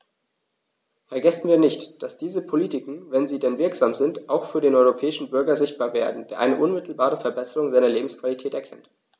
Vergessen wir nicht, dass diese Politiken, wenn sie denn wirksam sind, auch für den europäischen Bürger sichtbar werden, der eine unmittelbare Verbesserung seiner Lebensqualität erkennt!